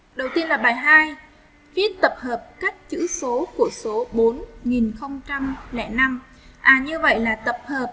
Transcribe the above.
đầu tiên là bài viết tập hợp các chữ số của số bốn nghìn không trăm lẻ năm như vậy là tập hợp